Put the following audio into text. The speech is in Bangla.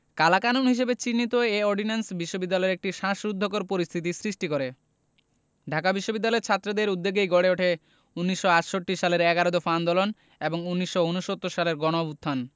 কালাকানুন হিসেবে চিহ্নিত এ অর্ডিন্যান্স বিশ্ববিদ্যালয়ে একটি শ্বাসরুদ্ধকর পরিস্থিতির সৃষ্টি করে ঢাকা বিশ্ববিদ্যালয়ের ছাত্রদের উদ্যোগেই গড়ে উঠে ১৯৬৮ সালের এগারো দফা আন্দোলন এবং ১৯৬৯ সালের গণঅভ্যুত্থান